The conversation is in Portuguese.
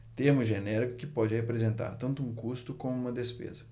termo genérico que pode representar tanto um custo como uma despesa